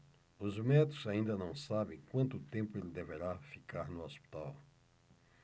os médicos ainda não sabem quanto tempo ele deverá ficar no hospital